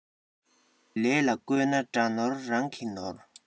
ལས ལ བཀོད ན དགྲ ནོར རང གི ནོར